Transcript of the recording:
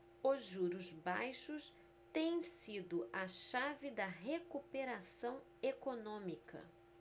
os juros baixos têm sido a chave da recuperação econômica